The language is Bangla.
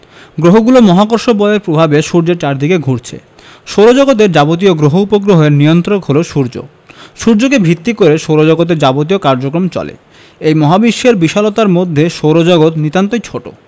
গ্রহগুলো মহাকর্ষ বলের প্রভাবে সূর্যের চারদিকে ঘুরছে সৌরজগতের যাবতীয় গ্রহ উপগ্রহের নিয়ন্ত্রক হলো সূর্য সূর্যকে ভিত্তি করে সৌরজগতের যাবতীয় কাজকর্ম চলে এই মহাবিশ্বের বিশালতার মধ্যে সৌরজগৎ নিতান্তই ছোট